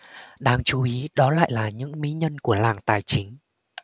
đáng chú ý đó lại là những mỹ nhân của làng tài chính